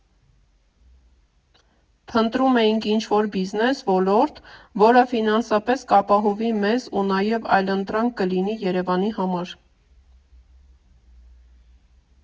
Փնտրում էինք ինչ֊որ բիզնես ոլորտ, որը ֆինանսապես կապահովի մեզ ու նաև այլընտրանք կլինի Երևանի համար։